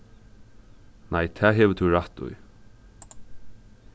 nei tað hevur tú rætt í